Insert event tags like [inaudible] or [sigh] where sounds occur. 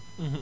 [hesitation] [hesitation]